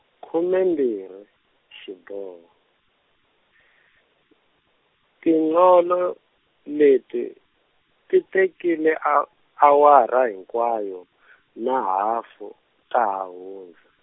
khume mbhiri, xiboho, Tinqolo, leti, ti tekile a awara hinkwayo na hafu, ta ha hundza.